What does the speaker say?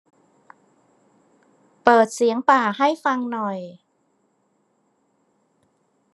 เปิดเสียงป่าให้ฟังหน่อย